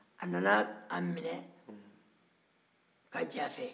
a nana a minɛ ka jɛ a fɛ